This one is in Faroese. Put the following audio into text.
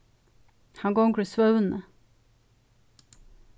hann gongur í svøvni